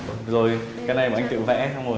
rồi cái này bọn anh tự vẽ xong rồi